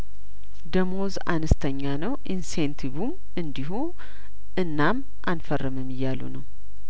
ደሞዝ አነስተኛ ነው ኢንሴን ቲቩም እንዲሁ እናም አንፈርምም እያሉ ነው